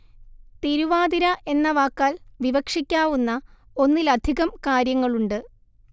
തിരുവാതിര എന്ന വാക്കാല്‍ വിവക്ഷിക്കാവുന്ന ഒന്നിലധികം കാര്യങ്ങളുണ്ട്